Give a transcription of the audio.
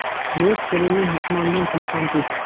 do'st sirini dushmandan pinhon tut